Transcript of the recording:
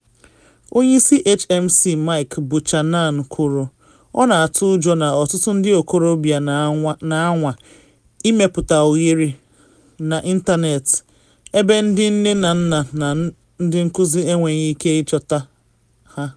Onye isi HMC Mike Buchanan kwuru: “Ọ na atụ ụjọ na ọtụtụ ndị ntorobịa na anwa ịmepụta oghere n’ịntanetị ebe ndị nne na nna na ndị nkuzi enweghị ike ịchọta ha.”